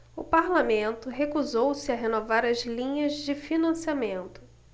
o parlamento recusou-se a renovar as linhas de financiamento